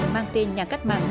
mang tên nhà cách mạng